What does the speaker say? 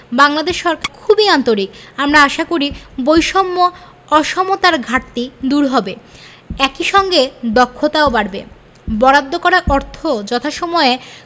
বাংলাদেশ সরকার খুবই আন্তরিক আমরা আশা করি বৈষম্য অসমতার ঘাটতি দূর হবে একই সঙ্গে দক্ষতাও বাড়বে বরাদ্দ করা অর্থ যথাসময়ে